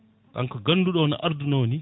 kanko ganduɗo o no arduno ni